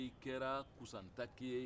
i kɛra kusantakɛ ye